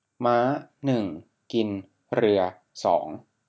ม้าหนึ่งกินเรือสอง